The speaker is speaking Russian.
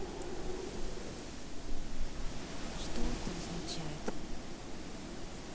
что это означает